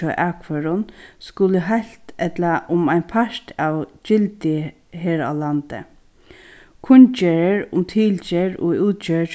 hjá akførum skulu heilt ella um ein part av gildi her á landi kunngerðir um tilgerð og útgerð